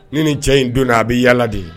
Ni ni cɛ in don na a bɛ yaa de ye